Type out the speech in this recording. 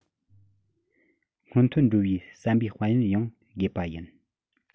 སྔོན ཐོན འགྲོ བའི བསམ པའི དཔལ ཡོན ཡང དགོས པ ཡིན